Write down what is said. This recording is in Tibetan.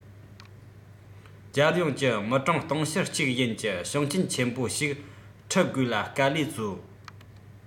རྒྱལ ཡོངས ཀྱི མི གྲངས དུང ཕྱུར གཅིག ཡན གྱི ཞིང ཆེན ཆེན པོ ཞིག དྲུད དགོས ལ དཀའ ལས བཟོ